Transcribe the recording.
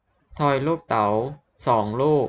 ทอยลูกเต๋าสองลูก